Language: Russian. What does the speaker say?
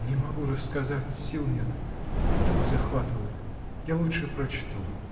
— Не могу рассказать: сил нет, дух захватывает. Я лучше прочту.